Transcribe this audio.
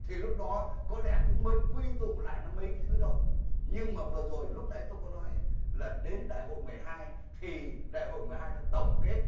thì lúc đó có lẽ cũng mới quy tụ lại nó mấy cái thứ đó nhưng mà vừa rồi lúc nãy tôi có nói á là đến đại hội mười hai thì đại hội mười hai đã tổng kết